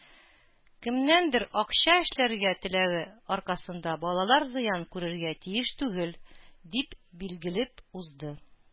“кемнеңдер акча эшләргә теләве аркасында балалар зыян күрергә тиеш түгел”, - дип билгеләп узды.